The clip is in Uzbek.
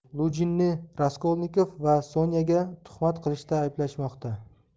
lujinni raskolnikov va sonyaga tuhmat qilishda ayblashmoqda